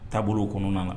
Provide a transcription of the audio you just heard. Taabolo o kɔnɔna kan